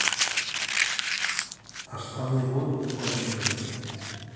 а штаны будут с пончиками